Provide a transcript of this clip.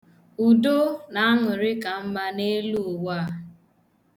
Udo na aṅụrị ka mma n' elu ụwa a.